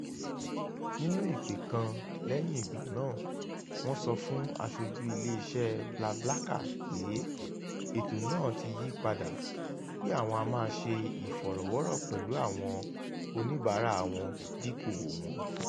Nínú ìpè kan lẹ́yìn ìgbà náà, wọ́n sọ fún aṣojú iléeṣẹ́ BlaBlaCar pé ètò náà ti yí padà, pé àwọn á máa ṣe ìfọ̀rọ̀wọ́rọ̀ pẹ̀lú àwọn oníbàáràa wọn dípò wọn.